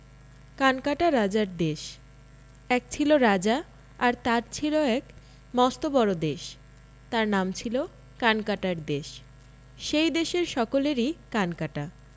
কানকাটা রাজার দেশ এক ছিল রাজা আর তার ছিল এক মস্ত বড়ো দেশ তার নাম হল কানকাটার দেশ সেই দেশের সকলেরই কান কাটা